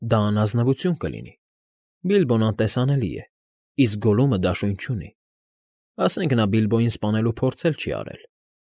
Դա անազնվություն կլինի։ Բիլբոն անտեսանելի է, իսկ Գոլլումը դաշույն չունի, ասենք նա Բիլբոյին սպանելու փորձ էլ չի արել։